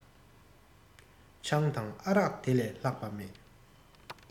ཆང དང ཨ རག འདི ལས ལྷག པ མེད